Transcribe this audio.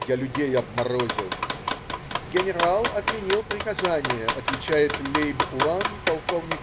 Я людей обморозил!" - "Генег'ал отменил приказание,- отвечает лейб-улан. полк.